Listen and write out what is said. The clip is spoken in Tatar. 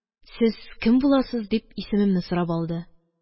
– сез кем буласыз? – дип исемемне сорап алды.